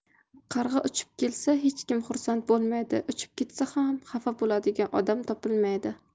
qarg'a uchib kelsa hech kim xursand bo'lmaydi uchib ketsa xafa bo'ladigan odam topilmaydi